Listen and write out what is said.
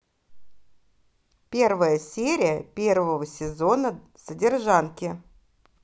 первая серия первого сезона содержанки